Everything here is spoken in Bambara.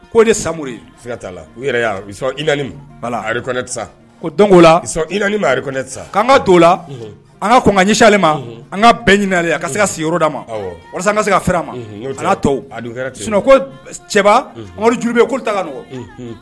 Ko ni samururi t'a la u yɛrɛ sɔninareɛ tɛ sa donkoo laina ma rikɛ tɛ sa k'an ka don o la an ka ko ɲɛli ma an ka bɛn ɲininlen a ka se ka sigiyɔrɔda ma walasa ka se ka ma n to ko cɛbaba amadu jurube ye ta nɔgɔ